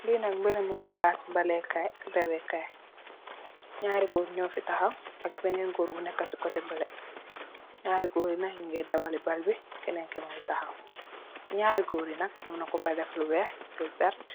Fi nak mberemi palasi fooballe kay la ak dawe kai. Nyarri góor nyo fi taxaw ak benen góor bu nekka ći cotebale. Nyarri góor yi nak ñunge dawali baal bi, kenen ki mungi taxaw. Nyarri góor yi nak, am na ku fa def lu wekh lu vert,